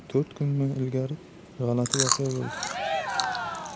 to'rt kun ilgari g'alati voqea bo'ldi